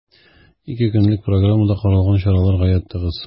Ике көнлек программада каралган чаралар гаять тыгыз.